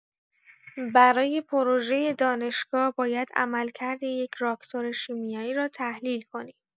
برای پروژه دانشگاه، باید عملکرد یک راکتور شیمیایی را تحلیل کنیم.